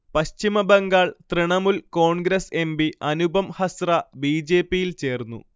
Paschim Bangal Trinamool Congress MP Anupam Hazra ബിജെപിയിൽ ചേർന്നു